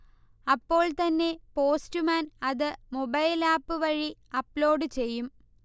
അപ്പോൾത്തന്നെ പോസ്റ്റ്മാൻ അത് മൊബൈൽആപ്പ് വഴി അപ്ലോഡ് ചെയ്യും